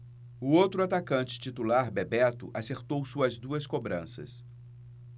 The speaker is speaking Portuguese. o outro atacante titular bebeto acertou suas duas cobranças